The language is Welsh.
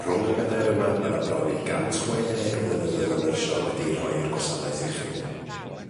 Rhwng y bedair yma ma' 'na bron i gant chwedeg o flynyddoedd o nyrsio wedi 'i rhoi i'r gwasanaeth iechyd.